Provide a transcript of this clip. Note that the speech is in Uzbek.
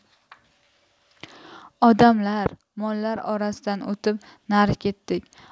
odamlar mollar orasidan o'tib nari ketdik